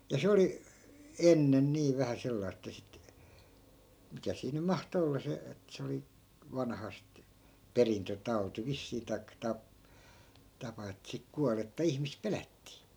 ja se oli ennen niin vähän sellaista että sitten mikä siinä nyt mahtoi olla se että se oli vanhastaan perintötauti vissiin tai - tapa että sitten kuollutta ihmistä pelättiin